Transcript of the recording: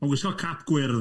Ma'n gwisgo cap gwyrdd.